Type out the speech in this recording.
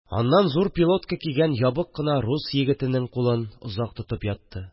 Аннан зур пилотка кигән ябык кына рус егетенең кулын озак тотып ятты